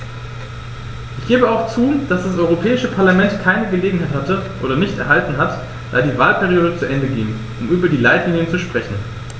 Ich gebe auch zu, dass das Europäische Parlament keine Gelegenheit hatte - oder nicht erhalten hat, da die Wahlperiode zu Ende ging -, um über die Leitlinien zu sprechen.